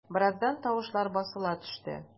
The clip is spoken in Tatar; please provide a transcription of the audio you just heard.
Бераздан тавышлар басыла төште.